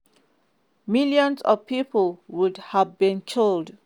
Millions of people would have been killed.